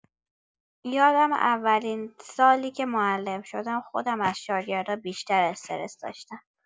یادمه اولین سالی که معلم شدم، خودم از شاگردا بیشتر استرس داشتم.